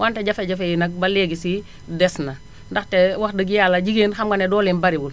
wante jafe-jafe yi nag ba léegi sii des na ndaxte wax dëgg Yàlla jigéen xam nga ne dooleem baariwul